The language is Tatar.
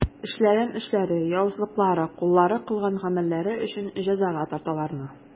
Эшләгән эшләре, явызлыклары, куллары кылган гамәлләре өчен җәзага тарт аларны.